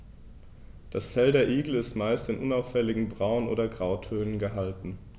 Das Fell der Igel ist meist in unauffälligen Braun- oder Grautönen gehalten.